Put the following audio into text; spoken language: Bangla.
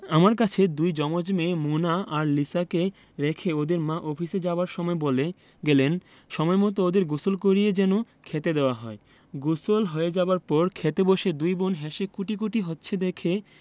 আমার কাছে দুই জমজ মেয়ে মোনা আর লিসাকে রেখে ওদের মা অফিসে যাবার সময় বলে গেলেন সময়মত ওদের গোসল করিয়ে যেন খেতে দেওয়া হয় গোসল হয়ে যাবার পর খেতে বসে দুই বোন হেসে কুটিকুটি হচ্ছে দেখে